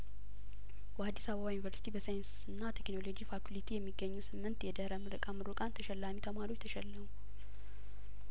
በአዲስ አበባ ዩኒቨርስቲ በሳይንስና ቴክኖሎጂ ፋኩልቲ የሚገኙ ስምንት የድህረ ምረቃ ምሩቃን ተሸላሚ ተማሪዎች ተሸለሙ